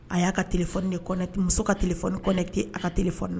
A y'a ka tile-ɛ muso ka tile--ɛte a ka t tile f